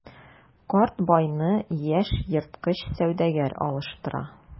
Карт байны яшь ерткыч сәүдәгәр алыштыра.